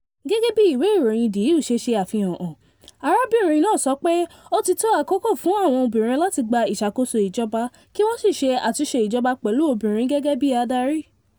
"Gẹ́gẹ́ bí ìwé ìròyìn The Hill ṣe àfihàn hàn, arábìnrin náà sọ pé ó ti tó àkókò fún àwọn obìnrin láti gbà ìṣàkóso ìjọba, kí wọ́n sì ṣe àtúnṣe ìjọba pẹ̀lú obìnrin gẹ́gẹ́ bí adarí.